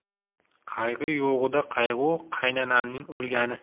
qayg'u yo'g'ida qayg'u qaynanamning o'lgani